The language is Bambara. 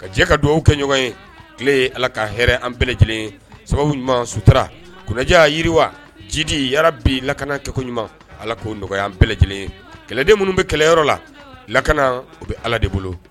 Ka diɲɛ ka dugawu kɛ ɲɔgɔn ye tile ye ala ka hɛrɛ an bɛɛlɛ lajɛlen ye sababu ɲuman suta kunnaja yiriwa jidi ya bi lakana kɛko ɲuman ala ko nɔgɔya an bɛɛlɛ lajɛlen kɛlɛden minnu bɛ kɛlɛyɔrɔ la lakana u bɛ ala de bolo